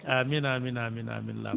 amine amine amine amine amine Lam